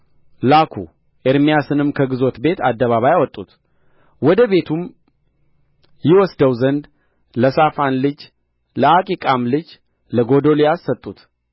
ላኩ ኤርምያስንም ከግዞት ቤት አደባባይ አወጡት ወደ ቤቱም ይወስደው ዘንድ ለሳፋን ልጅ ለአኪቃም ልጅ ለጎዶልያስ ሰጡት